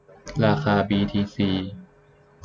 ราคาบีทีซี